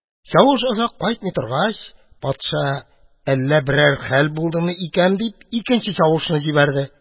Чавыш озак кайтмый торгач, патша, әллә берәр хәл булдымы икән дип, икенче чавышны җибәрде.